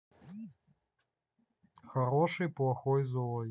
хороший плохой злой